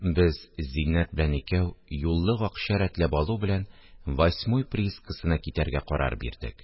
Без Зиннәт белән икәү, юллык акча рәтләп алу белән, «Восьмой» приискасына китәргә карар бирдек